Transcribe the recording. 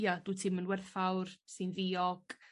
ia dwyt ti'm yn werthfawr ti'n ddiog.